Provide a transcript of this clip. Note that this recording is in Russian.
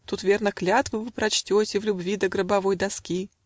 Тут верно клятвы вы прочтете В любви до гробовой доски